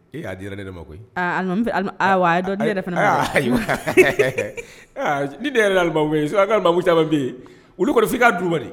Ee y'a di yɛrɛ ne ma koyi dɔn ne yɛrɛ fana ne de yɛrɛ koyi caman bɛ yen olu kɔni' ka dubali